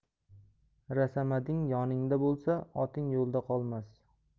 rasamading yoningda bo'lsa oting yo'lda qolmas